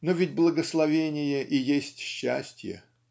но ведь благословение и есть счастье.